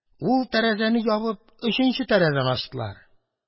Ул тәрәзәне ябып, өченче тәрәзәне ачтылар.